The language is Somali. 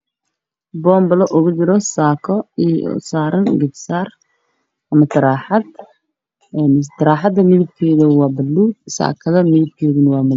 Meeshan waxa saran Saako kalarkeedu tahay jaalo iyo madow isku jira